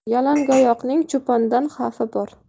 yalangoyoqning cho'pdan xavfi bor